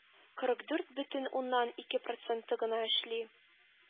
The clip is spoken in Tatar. Кырык дүрт бөтен уннан ике проценты гына эшли,